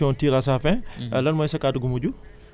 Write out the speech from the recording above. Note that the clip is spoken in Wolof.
li tubaab di wax naan l' émission tire à sa fin